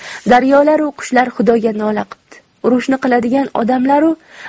daryolaru qushlar xudoga nola qipti urushni qiladigan ku odamlar